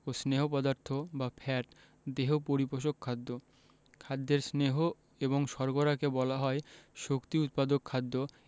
ও স্নেহ পদার্থ বা ফ্যাট দেহ পরিপোষক খাদ্য খাদ্যের স্নেহ এবং শর্করাকে বলা হয় শক্তি উৎপাদক খাদ্য